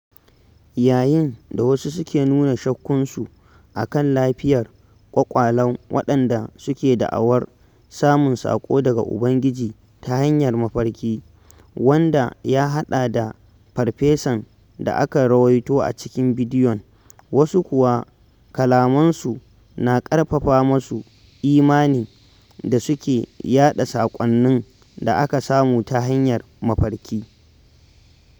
Yayin da wasu suke nuna shakkunsu a kan lafiyar ƙwaƙwalen waɗanda suke da'awar samun saƙo daga Ubangiji ta hanyar mafarki, wanda ya haɗa da Farfesan da aka rawaito a cikin bidiyon, wasu kuwa kalamansu na ƙarfafar masu imanin da suke yaɗa saƙonnin da aka samu ta hanyar mafarki.